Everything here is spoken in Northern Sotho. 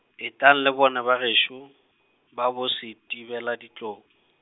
etlang le bone bagešo, ba boSethibeladitlou.